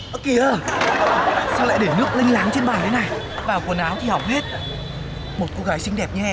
ơ kìa sao lại để nước lênh láng trên bàn thế này vào quần áo thì hỏng hết một cô gái xinh đẹp như em